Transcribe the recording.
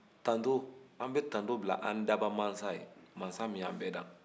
an bɛ tanto bila an dabagamasa ye masa min y'an bɛɛ da